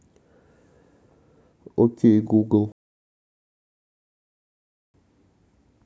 окей гугл учим звуки животных